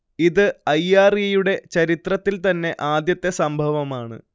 ഇത് I. R. E. യുടെ ചരിത്രത്തിൽ തന്നെ ആദ്യത്തെ സംഭവമാണ്